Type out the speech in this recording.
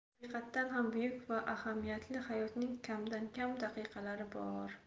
haqiqatan ham buyuk va ahamiyatli hayotning kamdan kam daqiqalari bor